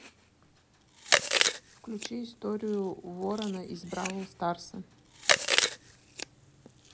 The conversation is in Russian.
включи историю ворона из бравл старса